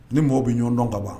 Ni maaw bɛ ɲɔgɔndɔn ka wa